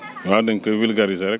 waaw dañ koy vulgariser rek